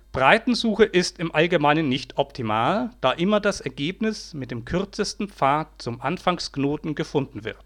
Breitensuche ist im allgemeinen nicht optimal, da immer das Ergebnis mit dem kürzesten Pfad zum Anfangsknoten gefunden wird